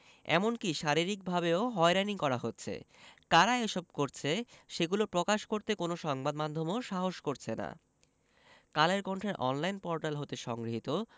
এমনকি শারীরিকভাবেও হয়রানি করা হচ্ছে কারা এসব করছে সেগুলো প্রকাশ করতে কোনো সংবাদ মাধ্যমও সাহস করছে না কালের কন্ঠের অনলাইন পোর্টাল হতে সংগৃহীত